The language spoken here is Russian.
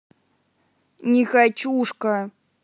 нехочушка